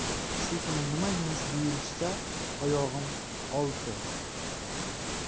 shu kuni nima yumush buyurishsa oyog'im olti